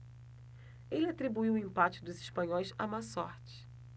ele atribuiu o empate dos espanhóis à má sorte